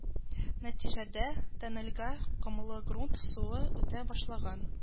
Нәтиҗәдә тоннельгә комлы грунт суы үтә башлаган